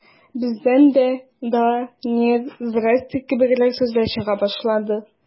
Бездән дә «да», «нет», «здрасте» кебегрәк сүзләр чыга башлады.